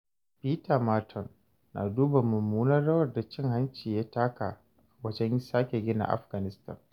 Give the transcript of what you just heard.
Peter Marton na duban mummunar rawar da cin-hanci ya taka wajen sake gina Afganistan.